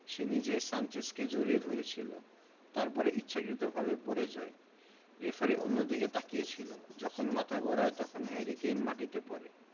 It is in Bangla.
সে নিজেই সানচেজকে জড়িয়ে ধরেছিল তারপরে ইচ্ছাকৃতভাবে পড়ে যায় রেফারি অন্যদিকে তাকিয়ে ছিল যখন মাথা ঘোরায় তখন হ্যারি কেইন মাটিতে পড়ে